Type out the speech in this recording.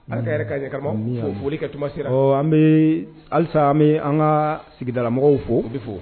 Ala ka fɛrɛ kan ye. Karamɔgɔ foli kɛ tuma sera . awɔ an bi halisa an bi an ka sigidalamɔgɔw fo. Unhun